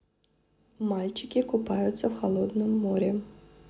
мальчики купаются в холодном море